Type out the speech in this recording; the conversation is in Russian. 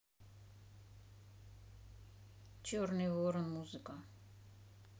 черный ворон музыка